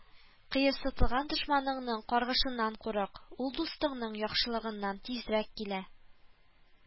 Кыерсытылган дошманыңның каргышыннан курык, ул дустыңның яхшылыгыннан тизрәк килә